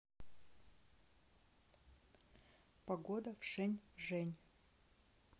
погода в шень жень